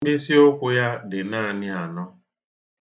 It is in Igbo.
Mkpisiụkwụ ya dị naani anọ.